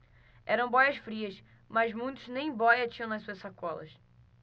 eram bóias-frias mas muitos nem bóia tinham nas suas sacolas